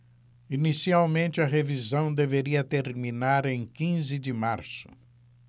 inicialmente a revisão deveria terminar em quinze de março